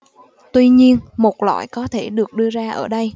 tuy nhiên một loại có thể được đưa ra ở đây